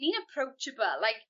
ni'n approachable like...